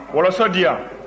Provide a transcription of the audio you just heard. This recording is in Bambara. wɔlɔsɔ di yan